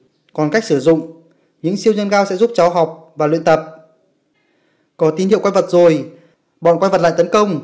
những siêu nhân khác sẽ giúp cháu bọn quái vật lại tấn công